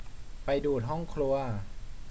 ไปดูดห้องครัว